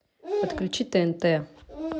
подключи тнт